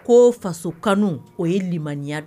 Ko faso kanu o ye limaniɲa